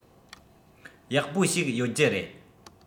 ཡག པོ ཞིག ཡོད རྒྱུ རེད